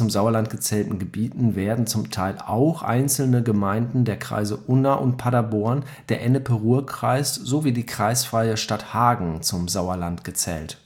Sauerland gezählten Gebieten werden zum Teil auch einzelne Gemeinden der Kreise Unna und Paderborn, der Ennepe-Ruhr-Kreis sowie die kreisfreie Stadt Hagen zum Sauerland gezählt